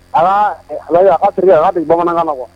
Ala ala aw ala bɛ bamanankan na